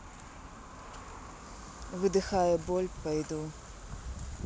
выдыхаю боль пойду